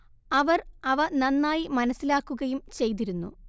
അവർ അവ നന്നായി മനസ്സിലാക്കുകയും ചെയ്തിരുന്നു